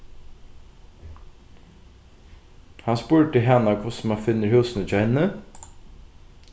hann spurdi hana hvussu mann finnur húsini hjá henni